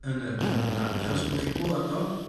yr pennod yna achos gewch chi glŵad o